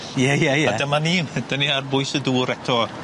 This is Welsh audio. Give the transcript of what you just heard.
Ie ie ie. A dyma ni 'dan ni ar bwys y dŵr eto.